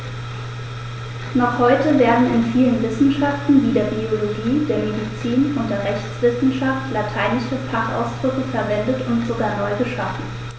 Noch heute werden in vielen Wissenschaften wie der Biologie, der Medizin und der Rechtswissenschaft lateinische Fachausdrücke verwendet und sogar neu geschaffen.